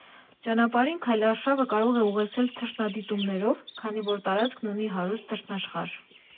Ճանապարհին քայլարշավը կարող է ուղեկցվել թռչնադիտումներով, քանի որ տարածքն ունի հարուստ թռչնաշխարհ։